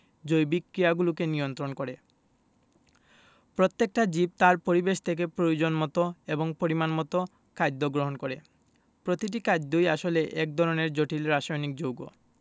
জৈবিক ক্রিয়াগুলোকে নিয়ন্ত্রন করে প্রত্যেকটা জীব তার পরিবেশ থেকে প্রয়োজনমতো এবং পরিমাণমতো খাদ্য গ্রহণ করে প্রতিটি খাদ্যই আসলে এক ধরনের জটিল রাসায়নিক যৌগ